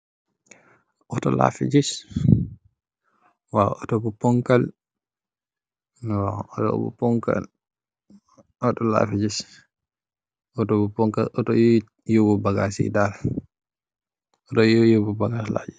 Otto la fi ngis, Otto bu ponkal, Otto yui yobbu bagaas yi.